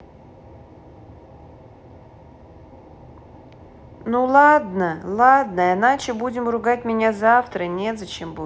ну ладно ладно а иначе будет ругать меня завтра нет за чем нибудь